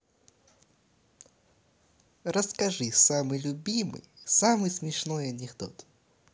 расскажи самый любимый самый смешной анекдот